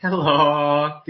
Helo!